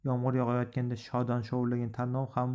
yomg'ir yog'ayotganda shodon shovullagan tarnov ham